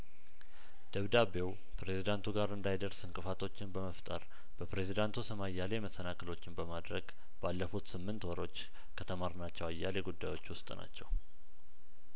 ደብዳቤው ፕሬዝዳንቱ ጋር እንዳይደርስ እንቅፋቶችን በመፍጠር በፕሬዝዳንቱ ስም አያሌ መሰናክሎችን መማድረግ ባለፉት ስምንት ወሮች ከተማርናቸው አያሌ ጉዳዮች ውስጥ ናቸው